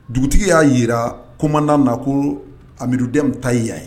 Dugutigi y'a jira commandant na ko Amidu Dɛmu ta ye yan ye